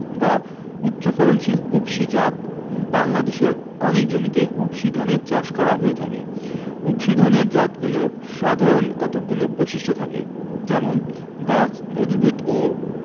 গ উচ্চফলনশীল উফশী জাতঃ বাংলাদেশের অনেক জমিতে উফশী ধানের চাষ করা হয়ে থাকে উফশী ধানের জাতগুলোর সাধারণ কতগুলো বৈশিষ্ট্য থাকে যেমনঃ গাছ মজবুত এবং